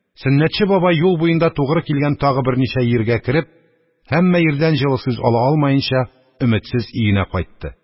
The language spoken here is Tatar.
Сөннәтче бабай юл буенда тугры килгән тагы берничә йиргә кереп, һәммә йирдән җылы сүз ала алмаенча, өметсез өенә кайтты.